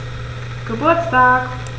Geburtstag